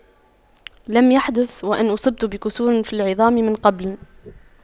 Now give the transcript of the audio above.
لم يحدث وأن اصبت بكسور في العظام من قبل